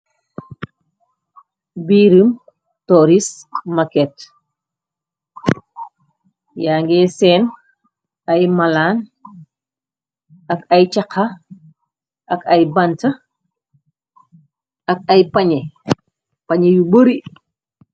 Biirum tourist market yaa ngee seen ay malaan ak ay chakha ak ay bant ak ay pañye. Pañye yu bori.